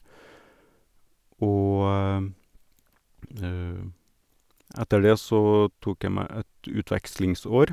Og etter det så tok jeg meg et utvekslingsår.